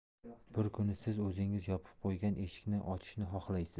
bir kuni siz o'zingiz yopib qo'ygan eshikni ochishni xohlaysiz